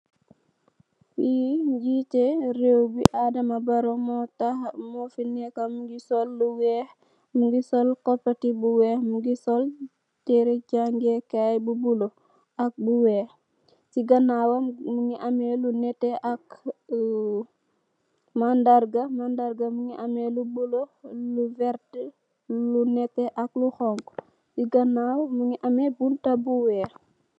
Kii ñjitti rew mi moo fi neekë, Adama Barrow, mu ngi sol kopati weex, mu ngi sol, tërre jaangë kaay bu bulo, ak bu weex. Ci ganaawam mu am lu nétté ak mandarga. Mandarga mu ngi amee lu bulo, lu werta, lu nétté ak lu xoñgu. Si ganaaw mu ngi amee bunta bu..